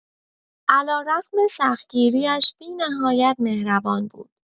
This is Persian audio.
علی‌رغم سخت‌گیری‌اش بی‌نهایت مهربان بود.